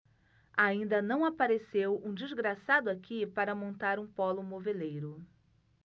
ainda não apareceu um desgraçado aqui para montar um pólo moveleiro